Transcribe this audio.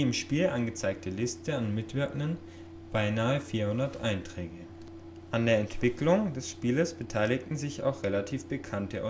Spiel angezeigte Liste an Mitwirkenden beinahe 400 Einträge. An der Entwicklung des Spieles beteiligen sich auch relativ bekannte